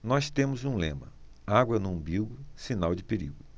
nós temos um lema água no umbigo sinal de perigo